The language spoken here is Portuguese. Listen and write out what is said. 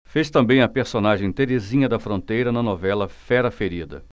fez também a personagem terezinha da fronteira na novela fera ferida